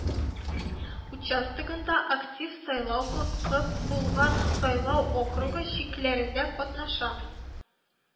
Участогында актив сайлау хокукы булган сайлау округы чикләрендә катнаша